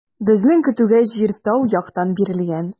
Безнең көтүгә җир тау яктан бирелгән.